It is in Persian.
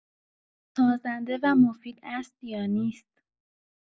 سازنده و مفید است یا نیست.